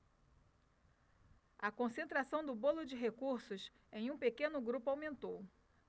a concentração do bolo de recursos em um pequeno grupo aumentou